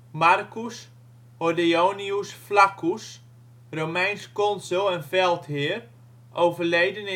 Marcus Hordeonius Flaccus, Romeins consul en veldheer (overleden